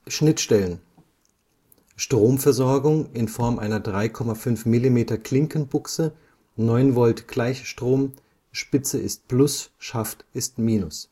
Schnittstellen: Stromversorgung (3,5-mm-Klinkenbuchse, 9 Volt Gleichstrom, Spitze +/Schaft −